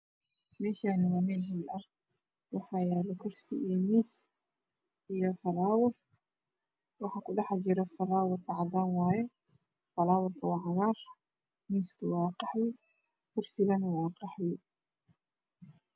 Meeshaani waa meel hool ah waxaa korsi iyo miis iyo faalawar waxaa kudhaxjira falaawarka cadaan wayee falaawarku waa cagaar kursigana waa qaxwi